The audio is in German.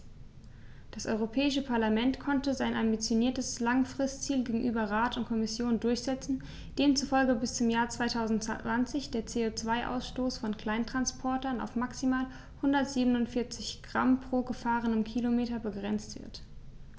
Das Europäische Parlament konnte sein ambitioniertes Langfristziel gegenüber Rat und Kommission durchsetzen, demzufolge bis zum Jahr 2020 der CO2-Ausstoß von Kleinsttransportern auf maximal 147 Gramm pro gefahrenem Kilometer begrenzt wird.